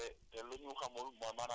maanaam mooy ah